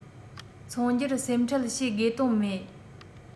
འཚོང རྒྱུར སེམས ཁྲལ བྱེད དགོས དོན མེད